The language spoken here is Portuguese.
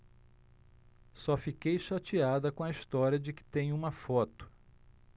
só fiquei chateada com a história de que tem uma foto